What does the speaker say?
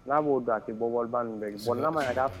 N'a b'o dɔn a tɛ bɔ waleban ninnu bɛ bɔn ma